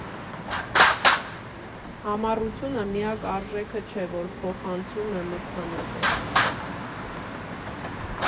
Համառությունը միակ արժեքը չէ, որ փոխանցում է մրցանակը.